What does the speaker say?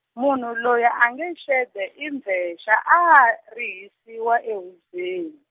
munhu loyi a nge xede i mbvexa a a rihisiwa ehubyeni.